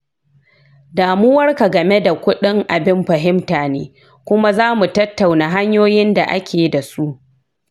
damuwarka game da kuɗin abin fahimta ne kuma za mu tattauna hanyoyin da ake da su.